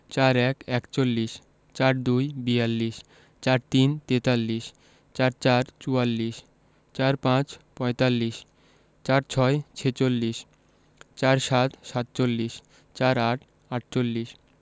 ৪১ একচল্লিশ ৪২ বিয়াল্লিশ ৪৩ তেতাল্লিশ ৪৪ চুয়াল্লিশ ৪৫ পঁয়তাল্লিশ ৪৬ ছেচল্লিশ ৪৭ সাতচল্লিশ ৪৮ আটচল্লিশ